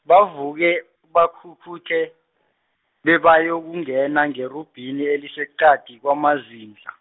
bavuke, bakhukhuthe, bebayokungena ngerubhini eliseqadi kwamazindla.